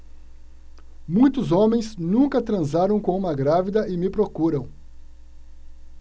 muitos homens nunca transaram com uma grávida e me procuram